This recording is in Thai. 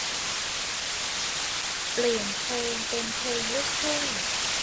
เปลี่ยนเพลงเป็นเพลงลูกทุ่ง